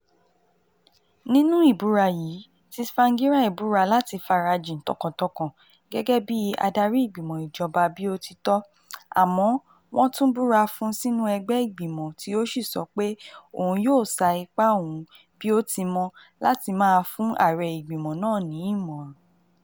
Nínú ìbúra yìí, Tsvangirai búra láti farajìn tọkàn-tọkàn gẹ́gẹ́ bi Adarí Ìgbìmọ Ìjọba, bí ó ti tọ́, àmọ́ wọ́n tún búra fún sínu ẹgbẹ́ ìgbìmọ̀ tí ó sì sọ pé òun yóò sa ipá ohun bí ó ti mọ́ láti máa fún aàrẹ ìgbìmọ náà ní ìmọ̀ràn.